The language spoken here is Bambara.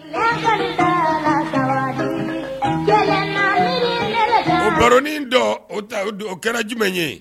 In o kɛra jumɛn ye